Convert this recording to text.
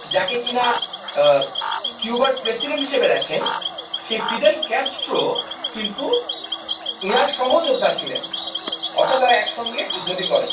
যাকে কিনা কিউবার প্রেসিডেন্ট হিসেবে দেখেন সেই ফিদেল ক্যাস্ট্রো কিন্তু সহযোদ্ধা ছিলেন অর্থাৎ তারা একসঙ্গে যুদ্ধটি করেন